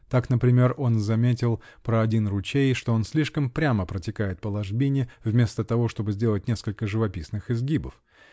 Так, например, он заметил про один ручей, что он слишком прямо протекает по ложбине, вместо того чтобы сделать несколько живописных изгибов